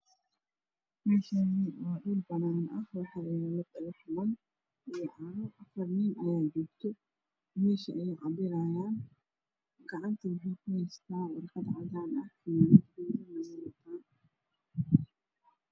Meshani waa dhul banaan ah waxaa yaalo dhagaxman iyo caro faryaamiin ayaa joogto meesha ayey cabirayan gacanta waxey ku heestaan warqad cadaan ah